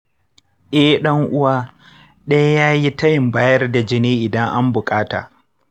eh, ɗan’uwa ɗaya ya yi tayin bayar da jini idan an buƙata.